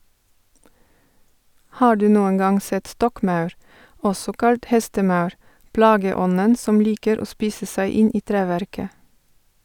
Har du noen gang sett stokkmaur, også kalt hestemaur, plageånden som liker å spise seg inn i treverket?